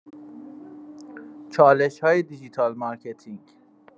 چالش‌های دیجیتال مارکتینگ